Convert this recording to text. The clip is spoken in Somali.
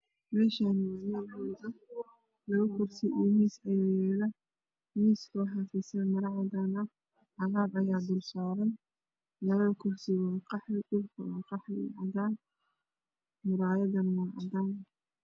Meeshaani waa meel hool kursi miisas ayaa yaalo miiska waxa saaran Maro cadaan alaab ayaa saaran labo kursi waa qaxwi cadaan muraayadana waa cadaan